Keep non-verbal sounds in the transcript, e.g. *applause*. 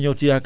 *breath* *hesitation* *hesitation*